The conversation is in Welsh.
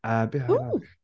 Yy, beth arall?... W!